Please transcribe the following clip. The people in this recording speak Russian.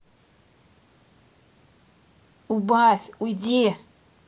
убавь уйди